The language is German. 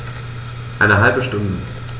Eine halbe Stunde